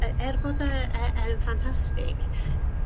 e- er bod o y- yn ffantastig